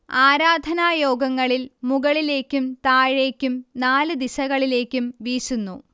ആരാധനായോഗങ്ങളിൽ മുകളിലേക്കും താഴേയ്ക്കും നാല് ദിശകളിലേക്കും വീശുന്നു